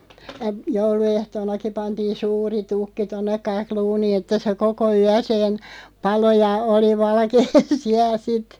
ja jouluehtoonakin pantiin suuri tukki tuonne kakluuniin että se koko yön paloi ja oli valkea siellä sitten